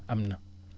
am na